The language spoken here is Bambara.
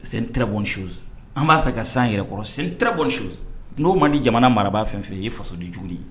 Sen to an b'a fɛ ka san yɛrɛkɔrɔ sen t bɔs n'o man di jamana mara b' fɛn feere ye faso di jugu ye